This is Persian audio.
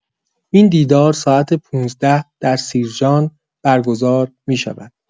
این دیدار ساعت ۱۵ در سیرجان برگزار می‌شود.